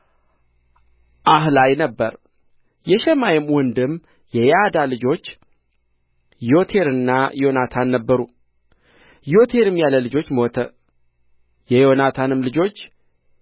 አሕላይ ነበረ የሸማይም ወንድም የያዳ ልጆች ዬቴርና ዮናታን ነበሩ ዬቴርም ያለ ልጆች ሞተ የዮናታንም ልጆች